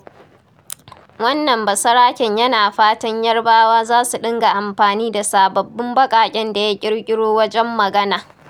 Wannan ba saraken yana fatan Yarbawa za su dinga amfani da sababbun baƙaƙen da ya ƙirƙiro wajen magana.